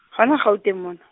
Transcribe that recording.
hona Gauteng mona.